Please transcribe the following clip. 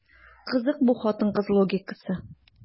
Кызык бу хатын-кыз логикасы.